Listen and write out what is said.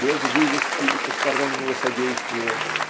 без вывески и постороннего содействия